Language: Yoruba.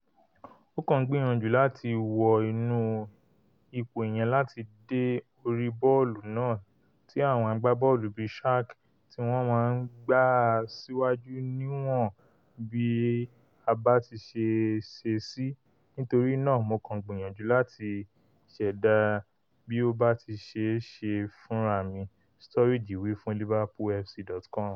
Ó kàn ń gbìyànjú láti wọ inú ipò yẹn, láti dé orí bọ́ọ̀lù náà tí àwọn agbábọ́ọ̀lù bíi Shaq tí wọn máa ńgbá a siwaju níwọn bí ó báti ṣée ṣe sí, nítorínaa Mo kàn gbìyànjú láti ṣẹ̀dá bí o báti ṣée ṣe sí funrami,'' Sturridge wí fún LiverpoolFC.com.